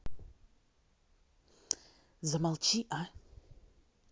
замолчи а